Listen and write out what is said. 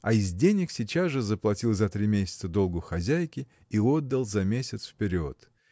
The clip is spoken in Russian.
А из денег сейчас же заплатил за три месяца долгу хозяйке и отдал за месяц вперед.